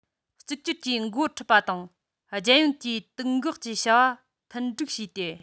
གཅིག གྱུར གྱིས མགོ ཁྲིད པ དང རྒྱལ ཡོངས ཀྱི དུག འགོག གི བྱ བ མཐུན འགྲིག བྱས ཏེ